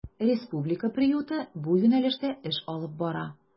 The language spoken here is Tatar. Республика приюты бу юнәлештә эш алып бара.